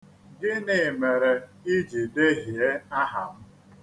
Gịnị mere i ji dehie aha m?